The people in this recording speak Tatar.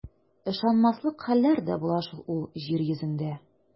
Ышанмаслык хәлләр дә була шул җир йөзендә.